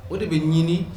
O de bɛ ɲini